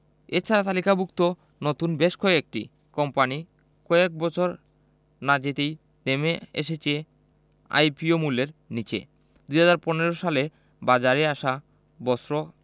এ ছাড়া তালিকাভুক্ত নতুন বেশ কয়েকটি কোম্পানি কয়েক বছর না যেতেই নেমে এসেছে আইপিও মূল্যের নিচে ২০১৫ সালে বাজারে আসা বস্ত্র